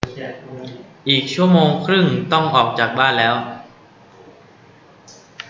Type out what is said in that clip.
อีกชั่วโมงครึ่งต้องออกจากบ้านแล้ว